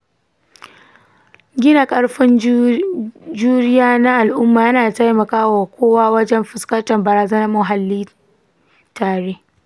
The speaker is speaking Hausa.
gina ƙarfin juriya na al’umma yana taimaka wa kowa wajen fuskantar barazanar muhalli tare.